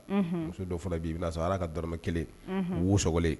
Unhun, muso dɔ fana bɛ yen, i bɛna sɔrɔ ala ka dɔrɔmɛ kelen, o wo sogolen.